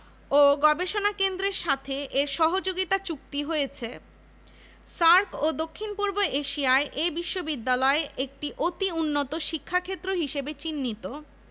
ও গবেষণা কেন্দ্রের সাথে এর সহযোগিতা চুক্তি হয়েছে SAARC ও দক্ষিণ পূর্ব এশিয়ায় এ বিশ্ববিদ্যালয় একটি অতি উন্নত শিক্ষাক্ষেত্র হিসেবে চিহ্নিত